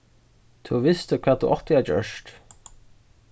tú visti hvat tú átti at gjørt